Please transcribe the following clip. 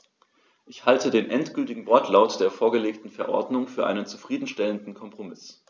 Ich halte den endgültigen Wortlaut der vorgelegten Verordnung für einen zufrieden stellenden Kompromiss.